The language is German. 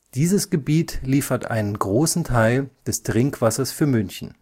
Dieses Gebiet liefert einen großen Teil des Trinkwassers für München